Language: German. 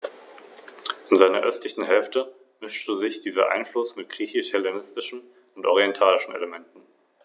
Neben seiner neuen Rolle als Seemacht trugen auch die eroberten Silberminen in Hispanien und die gewaltigen Reparationen, die Karthago zu leisten hatte, zu Roms neuem Reichtum bei.